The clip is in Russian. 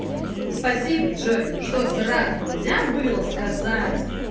спасибо джой что сразу нельзя было